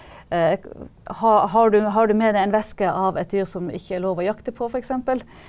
har du har du med deg en veske av et dyr som ikke lov å jakte på for eksempel?